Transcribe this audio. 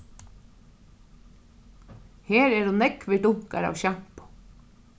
her eru nógvir dunkar av sjampo